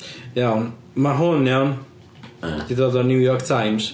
Iawn. Mae hwn iawn... Ia... 'di dod o New York Times.